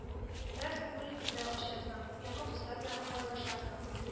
Бераз күңел дә ачасың, яңа дуслар белән аралашасың